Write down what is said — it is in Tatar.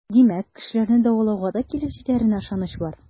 Димәк, кешеләрне дәвалауга да килеп җитәренә ышаныч бар.